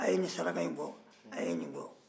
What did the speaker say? aw ye nin saraka in bɔ aw ye nin bɔ